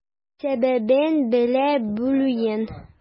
Сәбәбен белә белүен.